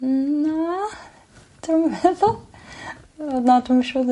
Na. Dwi'm yn meddwl. Yy na dwi'm yn siŵr...